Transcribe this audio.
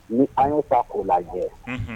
Ni an ga taa o lajɛ Unhun